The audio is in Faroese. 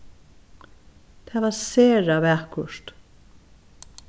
tað var sera vakurt